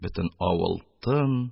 Бөтен авыл тын,